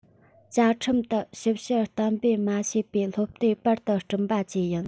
བཅའ ཁྲིམས ལྟར ཞིབ བཤེར གཏན འབེབས མ བྱས པའི སློབ དེབ པར དུ བསྐྲུན པ བཅས ཡིན